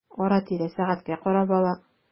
Ара-тирә сәгатькә карап ала.